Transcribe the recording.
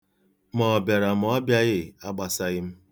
Ma ọ bịara ma ọ bịaghị agbasaghị m.